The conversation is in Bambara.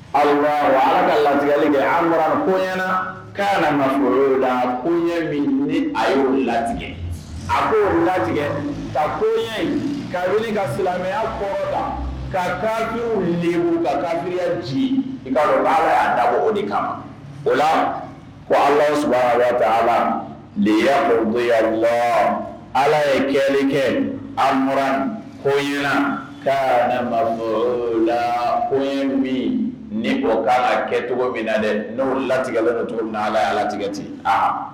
Ayiwa ala ka latigɛli kɛ a m koyana ka magola koɲɛ min ɲini a ye wili latigɛ a ko latigɛ ka koɲɛ in ka wuli ka silamɛya ko la ka ka la ka miya nci nka ala y'a dabɔ o de kama o la ko ala suraba da la leya ko bonyaya ala ye kɛ kɛ a bɔra koy ka mala koɲɛ min ne ko' kɛcogo min na dɛ ne wulila latigɛ la cogo na ala la ala latigɛ ten a